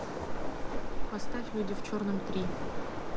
поставь люди в черном три